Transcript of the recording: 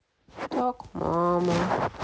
так мама